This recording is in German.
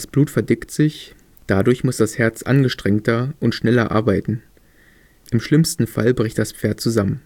Blut verdickt sich, dadurch muss das Herz angestrengter und schneller arbeiten. Im schlimmsten Fall bricht das Pferd zusammen